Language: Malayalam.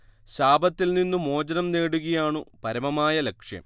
ശാപത്തിൽ നിന്നു മോചനം നേടുകയാണു പരമമായ ലക്ഷ്യം